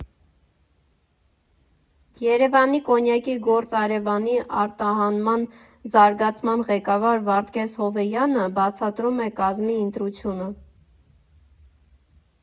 Երևանի կոնյակի գործարևանի արտահանման զարգացման ղեկավար Վարդգես Հովեյանը բացատրում է կազմի ընտրությունը.